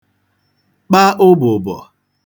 kpa ụbụ̀bọ̀